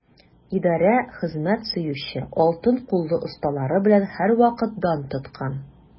Идарә хезмәт сөюче, алтын куллы осталары белән һәрвакыт дан тоткан.